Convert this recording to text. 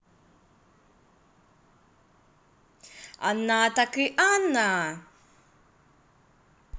она так и anna